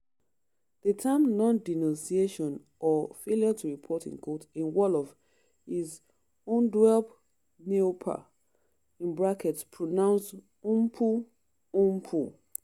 The term “non-denunciation” or ” failure to report” in Wolof is ndeup neupal (pronounced “n-puh n-puh”).